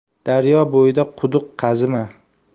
daryo bo'yida quduq qazima